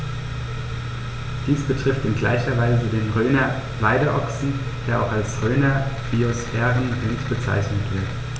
Dies betrifft in gleicher Weise den Rhöner Weideochsen, der auch als Rhöner Biosphärenrind bezeichnet wird.